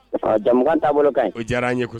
Ɔ jamu taabolo bolo kan o diyara an ye kojugu